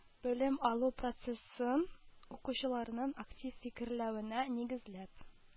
Белем алу процессын укучыларның актив фикерлəвенə нигезлəп